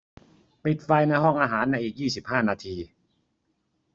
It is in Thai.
ปิดไฟในห้องอาหารในอีกยี่สิบห้านาที